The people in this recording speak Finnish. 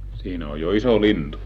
siinä on jo iso lintu